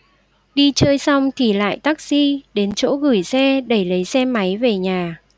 đi chơi xong thì lại taxi đến chỗ gửi xe để lấy xe máy về nhà